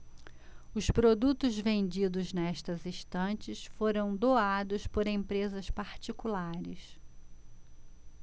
os produtos vendidos nestas estantes foram doados por empresas particulares